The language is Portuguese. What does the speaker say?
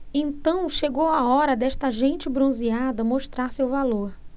então chegou a hora desta gente bronzeada mostrar seu valor